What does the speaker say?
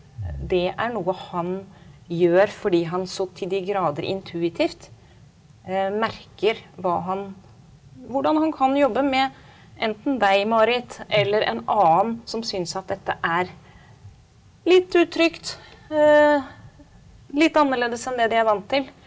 det er noe han gjør fordi han så til de grader intuitivt merker hva han hvordan han kan jobbe med enten deg Marit eller en annen som synes at dette er litt utrygt litt annerledes enn det de er vant til.